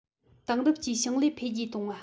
དེང རབས ཀྱི ཞིང ལས འཕེལ རྒྱས གཏོང བ